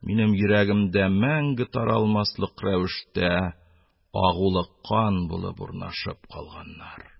Минем йөрәгемдә мәңге таралмаслык рәвештә агулы кан булып урнашып калганнар.